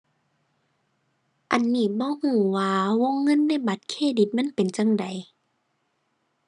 อันนี้บ่รู้ว่าวงเงินในบัตรเครดิตมันเป็นจั่งใด